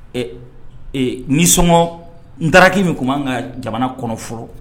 Ee nisɔngɔ n taaraki min tun b'an ka jamana kɔnɔoro